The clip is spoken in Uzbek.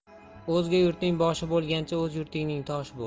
o'zga yurtning boshi bo'lgancha o'z yurtingning toshi bo'l